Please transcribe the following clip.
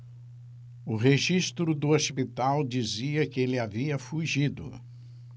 o registro do hospital dizia que ele havia fugido